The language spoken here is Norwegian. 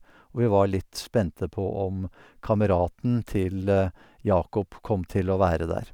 Og vi var litt spente på om kameraten til Jacob kom til å være der.